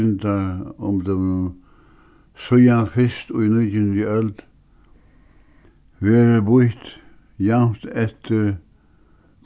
grindaumdøminum síðan fyrst í nítiundu øld verður býtt javnt eftir